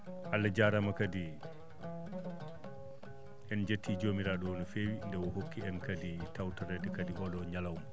Allah jaaraama kadi en njettii joomiraaɗo o no feewi nde o hokki en kadi tawtoreede kadi oo ɗoo ñalawma